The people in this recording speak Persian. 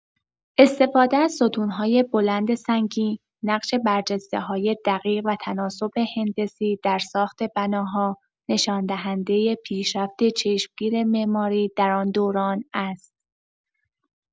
استفاده از ستون‌های بلند سنگی، نقش‌برجسته‌های دقیق و تناسب هندسی در ساخت بناها، نشان‌دهنده پیشرفت چشمگیر معماری در آن دوران است.